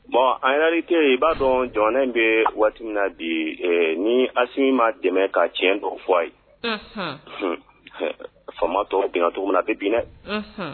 Bon en réalité i b'a dɔɔn jamana in bee waati min na bii ee ni Assimi ma dɛmɛ ka tiɲɛ dɔw fɔ a ye unhun hun hɛ faama tɔw binna togomin na a be bin dɛ unhun